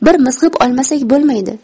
bir mizg'ib olmasak bo'lmaydi